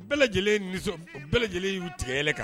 Bɛɛ lajɛlen nisɔn bɛɛ lajɛlen y'u tigɛɛlɛ